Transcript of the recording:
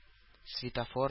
Светофор